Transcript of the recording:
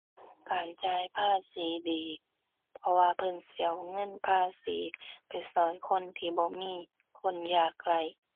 การจ่ายภาษีดี เพราะว่าเพิ่นสิเอาเงินภาษีไปช่วยคนที่บ่มี คนยากไร้